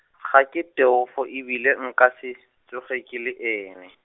ga ke Teofo e bile nka se, tsoge ke le ene.